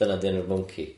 Dyna di enw'r mwnci?